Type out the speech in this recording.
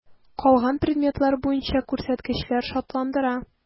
Калган предметлар буенча күрсәткечләр шатландыра.